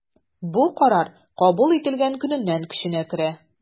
Бу карар кабул ителгән көннән көченә керә.